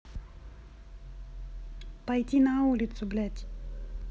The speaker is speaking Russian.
пойти на улицу блять